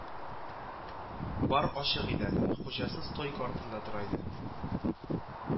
Бар ачык иде әле, хуҗасы стойка артында тора иде